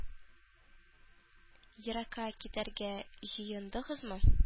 Еракка китәргә җыендыгызмы?